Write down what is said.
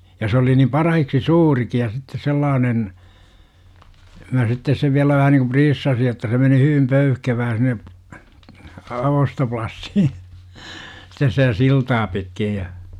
ja se oli niin parhaaksi suurikin ja sitten sellainen minä sitten sen vielä vähän niin kuin priissasin että se meni hyvin pöyhkevää sinne - ostoplassi sitten sitä siltaa pitkin ja